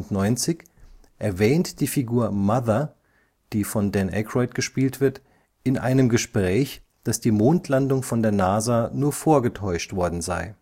1992) erwähnt die Figur Mother (gespielt von Dan Aykroyd) in einem Gespräch, dass die Mondlandung von der NASA nur vorgetäuscht worden sei